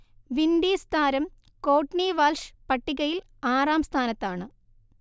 Windies താരം Courtney Walsh പട്ടികയിൽ ആറാം സ്ഥാനത്താണ്